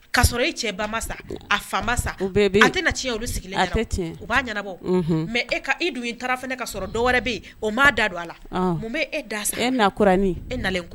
Ka sɔrɔ e cɛ ba ma sa ,a fa ma sa. U bɛɛ bɛ yen. A tɛna cɛn olu sigilen ɲɛna o. A tɛ cɛn o. U b'a ɲɛnabɔ. Unhun. mais e ka e dun taara fana ka sɔrɔ dɔ wɛrɛ bɛ yen o m'a da don a la. Ɔnhɔn. Mun bɛ e da sa la. E na kurani. E nalen.